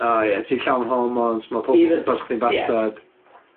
O ie ti llawn hormones ma' pobol o gwmpas chdi'n bastad.